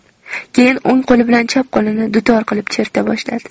keyin o'ng qo'li bilan chap qo'lini dutor qilib cherta boshladi